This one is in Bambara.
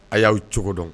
A y'aw cogodɔn